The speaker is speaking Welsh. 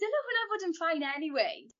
dyle hwnna fod yn fine anyway